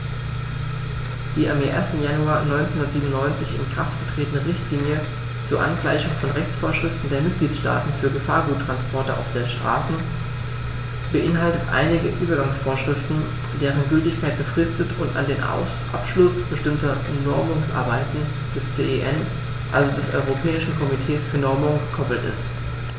Die am 1. Januar 1997 in Kraft getretene Richtlinie zur Angleichung von Rechtsvorschriften der Mitgliedstaaten für Gefahrguttransporte auf der Straße beinhaltet einige Übergangsvorschriften, deren Gültigkeit befristet und an den Abschluss bestimmter Normungsarbeiten des CEN, also des Europäischen Komitees für Normung, gekoppelt ist.